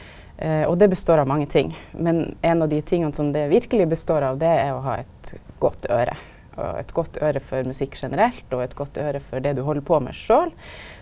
og det består av mange ting, men ein av dei tinga som det verkeleg består av det er å ha eit godt øyre og eit godt øyre for musikk generelt og eit godt øyre for det du held på med sjølv.